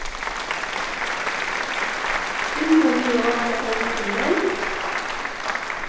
kvinnur liva vanliga longri enn menn